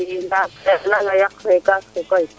i nda no yaq fe kaaf ke koy